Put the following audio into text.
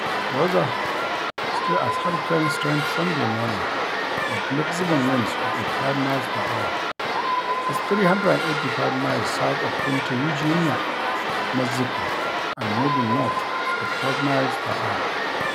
Rosa, still at hurricane strength Sunday morning with maximum winds of 85 miles per hour, is 385 miles south of Punta Eugenia, Mexico and moving north at 12 miles per hour.